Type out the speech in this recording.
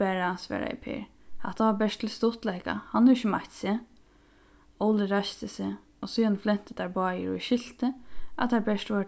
bara svaraði per hatta var bert til stuttleika hann hevur ikki meitt seg óli reisti seg og síðani flentu teir báðir og eg skilti at teir bert vóru